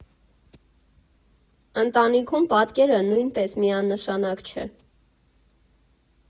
Ընտանիքում պատկերը նույնպես միանշանակ չէ։